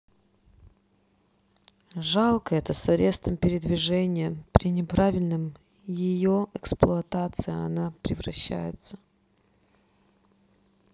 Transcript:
жалко это с арестом передвижения при неправильном ее эксплуатации она превращается